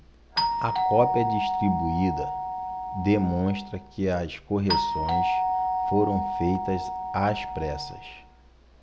a cópia distribuída demonstra que as correções foram feitas às pressas